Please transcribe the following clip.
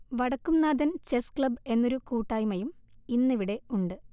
Vadakkumnathan chess club എന്നൊരു കൂട്ടായ്മയും ഇന്നിവിടെ ഉണ്ട്